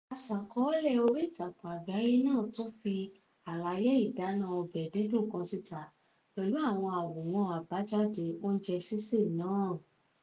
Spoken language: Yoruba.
Aṣàkọọ́lẹ̀ oríìtakùn àgbáyé náà tún fi àlàyé ìdáná ọbẹ̀ dídùn kan síta pẹ̀lú àwọn àwòrán àbájáde oúnjẹ síse náà.